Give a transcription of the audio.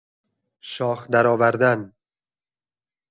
شاخ درآوردن